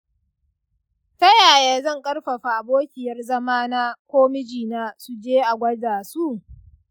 yaya zan ƙarfafa abokiyar zamana ko mijina su je a gwada su?